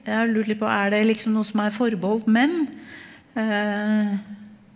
jeg har lurt litt på, er det liksom noe som er forbeholdt menn ?